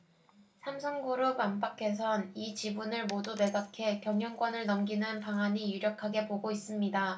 삼성그룹 안팎에선 이 지분을 모두 매각해 경영권을 넘기는 방안이 유력하게 보고 있습니다